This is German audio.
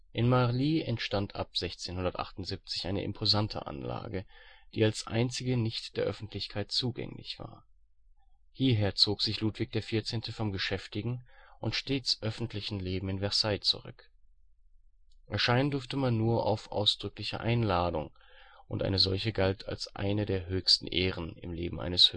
In Marly entstand ab 1678 eine imposante Anlage, die als einzige nicht der Öffentlichkeit zugänglich war. Hierher zog sich Ludwig XIV. vom geschäftigen und stets öffentlichen Leben in Versailles zurück. Erscheinen durfte man nur auf ausdrückliche Einladung und eine solche galt als eine der höchsten Ehren im Leben eines